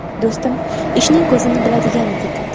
do'stim ishning ko'zini biladigan yigit edi